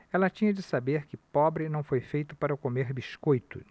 ela tinha de saber que pobre não foi feito para comer biscoito